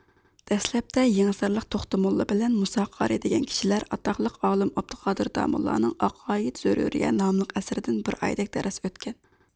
دەسلەپتە يېڭىسارلىق توختى موللا بىلەن مۇسا قارىي دېگەن كىشىلەر ئاتاقلىق ئالىم ئابدۇقادىر داموللانىڭ ئاقايىد زۆرۈرىيە ناملىق ئەسىرىدىن بىر ئايدەك دەرس ئۆتكەن